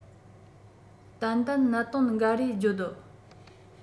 ཏན ཏན གནད དོན འགའ རེ བརྗོད